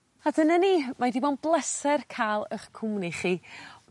A dyna ni mae 'di bo'n bleser ca'l 'ych cwmni chi.